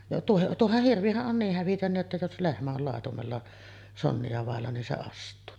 - tuohan hirvihän on niin hävytön jotta jos lehmä on laitumella sonnia vailla niin se astuu